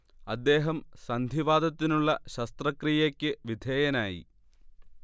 അദ്ദേഹം സന്ധിവാതത്തിനുള്ള ശസ്ത്രക്രിയക്ക് വിധേയനായി